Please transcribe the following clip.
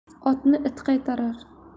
otni it qaytarar